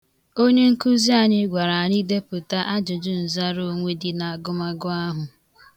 Onye nkuzi anyị gwara anyị depụta ajụjụnzaraonwe dị n' agụmagụ ahụ.